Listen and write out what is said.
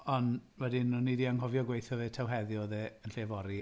Ond wedyn, o'n i 'di anghofio gweud wrtho fe taw heddi oedd e yn lle fory.